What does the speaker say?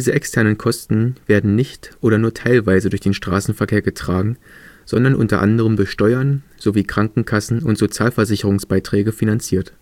externen Kosten werden nicht oder nur teilweise durch den Straßenverkehr getragen, sondern u. a. durch Steuern sowie Krankenkassen - und Sozialversicherungsbeiträge finanziert